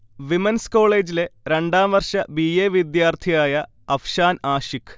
Women's കോളേജിലെ രണ്ടാം വർഷ ബി. എ. വിദ്യാർഥിയായ അഫ്ഷാൻ ആഷിഖ്